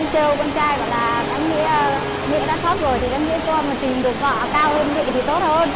mới trêu con trai bảo là đáng nhẽ mẹ đã thấp rồi thì đáng nhẽ con mà tìm được vợ cao hơn mẹ thì tốt hơn